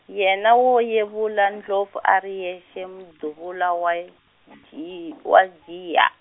yena wo yevula ndlopfu a ri yexe Mdavula, wa i ji- wa Njiya.